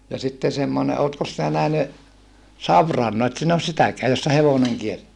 ja sitten semmoinen oletkos sinä nähnyt savirana no et sinä ole sitäkään jossa hevonen kiertää